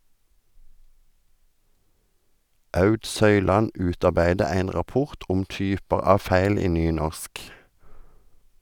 Aud Søyland utarbeidde ein rapport om typar av feil i nynorsk.